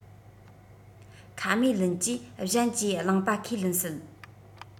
ཁ མའེ ལུན གྱིས གཞན གྱིས བླངས པ ཁས ལེན སྲིད